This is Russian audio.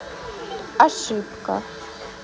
ошибка